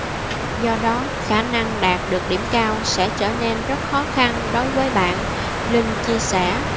do đó khả năng đạt được điểm cao sẽ trở nên rất khó khăn đối với bạn linh chia sẻ